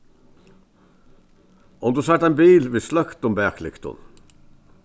um tú sært ein bil við sløktum baklyktum